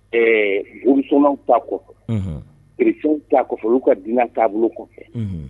Ɛɛ bonsw ta kɔfɛ presiw t'a kɔfɛ olu ka dunan taabolo kɔfɛ